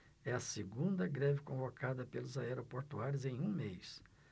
é a segunda greve convocada pelos aeroportuários em um mês